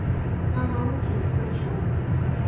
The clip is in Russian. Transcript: на науке не хочу